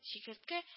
– чикерткә ч